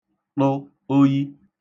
ṭụ oyi